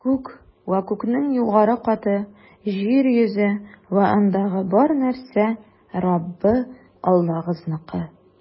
Күк вә күкнең югары каты, җир йөзе вә андагы бар нәрсә - Раббы Аллагызныкы.